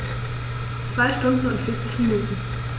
2 Stunden und 40 Minuten